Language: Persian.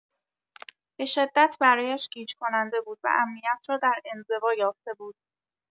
به‌شدت برایش گیج‌کننده بود و امنیت را در انزوا یافته بود.